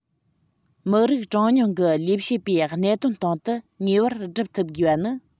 མི རིགས གྲངས ཉུང གི ལས བྱེད པའི གནད དོན སྟེང དུ ངེས པར སྒྲུབ ཐུབ དགོས པ ནི